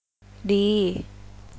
ดี